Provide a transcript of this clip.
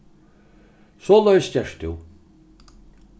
soleiðis gert tú